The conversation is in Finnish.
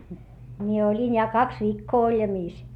minä olin ja kaksi viikkoa oljamissa